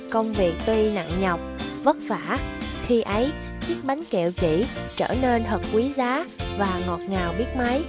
công việc tuy nặng nhọc vất vả khi ấy chiếc bánh kẹo chỉ trở nên thật quý giá và ngọt ngào biết mấy